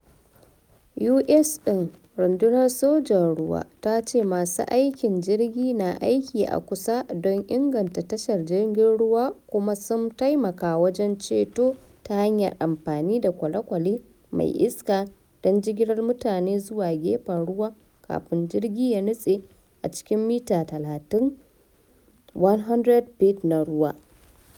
U.S din. Rundunar sojan ruwa ta ce masu aikin jirgi na aiki a kusa don inganta tashar jirgin ruwa kuma sun taimaka wajen ceto ta hanyar amfani da kwale-kwale mai iska don jigilar mutane zuwa gefen ruwa kafin jirgi ya nutse a cikin mita 30 (feet 100) na ruwa.